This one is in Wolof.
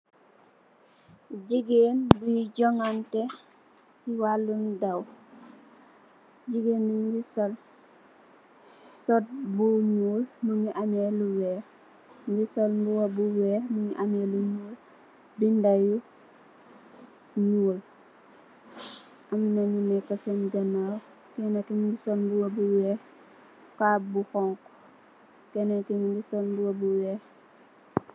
jigeen buy jongante si walum daw, jigeen bi mu ngi sol sot bu nyuul, mu ngi am lu weex, mu ngi sol binda yi, am ku neeka seen ganaaw...baag bu xonxu. Kenen ki mu ngi sol mbuba bu weex.